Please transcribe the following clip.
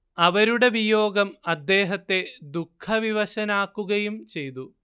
അവരുടെ വിയോഗം അദ്ദേഹത്തെ ദുഃഖവിവശനാക്കുകയും ചെയ്തു